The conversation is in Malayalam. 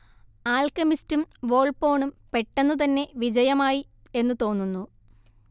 ആൽക്കെമിസ്റ്റും വോൾപ്പോണും പെട്ടെന്നുതന്നെ വിജയമായി എന്നു തോന്നുന്നു